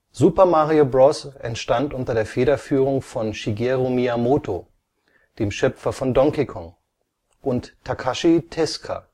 Super Mario Bros. entstand unter der Federführung von Shigeru Miyamoto, dem Schöpfer von Donkey Kong, und Takashi Tezuka